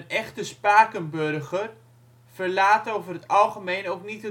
echte Spakenburger verlaat over het algemeen ook niet